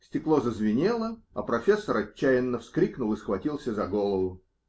Стекло зазвенело, а "профессор" отчаянно вскрикнул и схватился за голову.